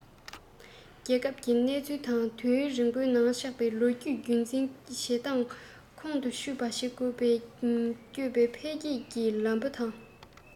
རྒྱལ ཁབ ཀྱི གནས ཚུལ དང དུས ཡུན རིང པོའི ནང ཆགས པའི ལོ རྒྱུས རྒྱུན འཛིན བྱེད སྟངས ཁོང དུ ཆུད པ བྱེད དགོས ལ བསྐྱོད པའི འཕེལ རྒྱས ཀྱི ལམ བུ དང